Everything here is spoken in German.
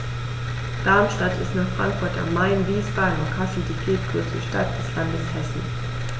Darmstadt ist nach Frankfurt am Main, Wiesbaden und Kassel die viertgrößte Stadt des Landes Hessen